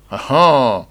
Ahɔn